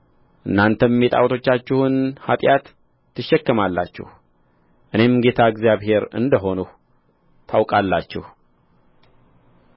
እናንተም የጣዖቶቻችሁን ኃጢአት ትሸከማላችሁ እኔም ጌታ እግዚአብሔር እንደ ሆንሁ ታውቃላችሁ